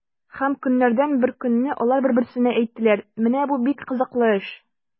Һәм көннәрдән бер көнне алар бер-берсенә әйттеләр: “Менә бу бик кызыклы эш!”